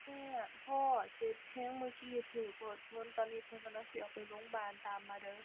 แม่ พ่อ เจ็บแรงเมื่อกี้แรงรถชน ตอนนี้เพิ่นกำลังสิเอาไปโรงบาลตามมาเด้อ